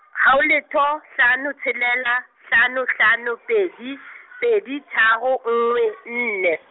haho letho, hlano tshelela, hlano hlano pedi, pedi tharo nngwe nne.